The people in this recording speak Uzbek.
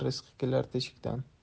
rizqi kelar teshikdan